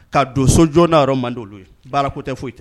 Ka don so joona yɛrɛ man di olu ye .Baara ko tɛ foyi tɛ.